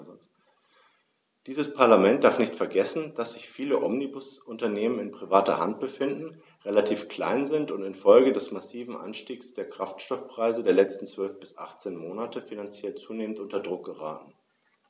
Dieses Parlament darf nicht vergessen, dass sich viele Omnibusunternehmen in privater Hand befinden, relativ klein sind und in Folge des massiven Anstiegs der Kraftstoffpreise der letzten 12 bis 18 Monate finanziell zunehmend unter Druck geraten.